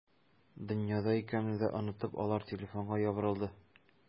Дөньяда икәнемне дә онытып, алар телефонга ябырылды.